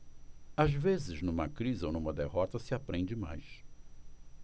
às vezes numa crise ou numa derrota se aprende mais